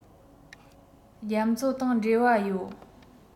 རྒྱ མཚོ དང འབྲེལ བ ཡོད